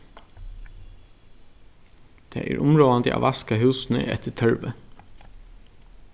tað er umráðandi at vaska húsini eftir tørvi